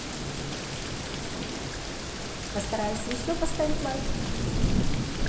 постараюсь еще поставить лайк